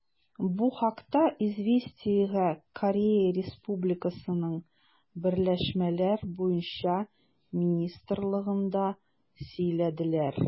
Бу хакта «Известия»гә Корея Республикасының берләшмәләр буенча министрлыгында сөйләделәр.